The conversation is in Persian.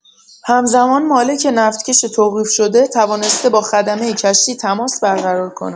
هم‌زمان مالک نفتکش توقیف‌شده، توانسته با خدمه کشتی تماس برقرار کند.